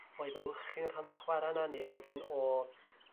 o efelychu rhan o'r chwara' neu elfen o